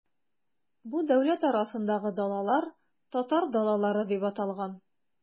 Бу дәүләт арасындагы далалар, татар далалары дип аталган.